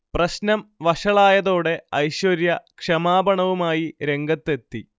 പ്രശ്നം വഷളായതോടെ ഐശ്വര്യ ക്ഷമാപണവുമായി രംഗത്തെത്തി